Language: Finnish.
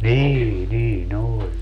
niin niin oli